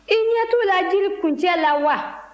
i ɲɛ t'u la jiri kuncɛ la wa